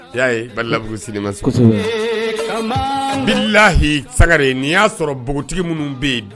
I y'a ye lauru sigilenmasba bilahi sagare nin'i y'a sɔrɔ npogotigi minnu bɛ yen